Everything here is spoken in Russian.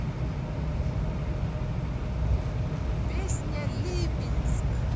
песня липецк